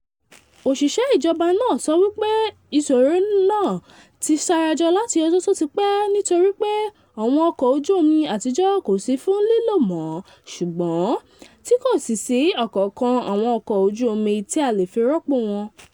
Òṣìṣẹ́ ìjọba náà sọ wípé ìṣòro náà ti ṣarajọ láti ọ́jọ́ tó ti pẹ́, nítorípé àwọn ọkọ̀ ojú omi àtijọ́ kò sí fún lílò mọ́ ṣùgbọ́n tí kò sì sí ọ̀kankan àwọn ọkọ̀ ojú omi tí a le fi rọ́pò wọn.